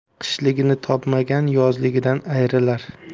qishligini topmagan yozligidan ayrilar